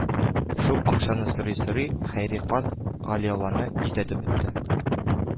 Шул акчаны сорый-сорый, Хәйри карт Галиулланы идәтеп бетте